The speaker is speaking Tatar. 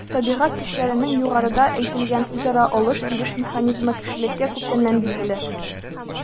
Табигать көчләренең югарыда әйтелгән үзара “алыш-биреш” механизмы кешелеккә күптәннән билгеле.